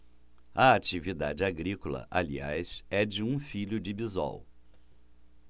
a atividade agrícola aliás é de um filho de bisol